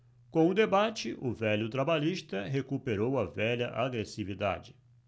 com o debate o velho trabalhista recuperou a velha agressividade